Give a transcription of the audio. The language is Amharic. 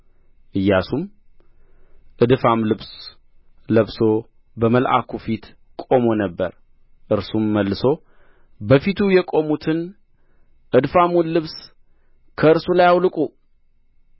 ኢያሱም እድፋም ልብስ ለብሶ በመልአኩ ፊት ቆሞ ነበር እርሱም መልሶ በፊቱ የቆሙትን እድፋሙን ልብስ ከእርሱ ላይ አውልቁ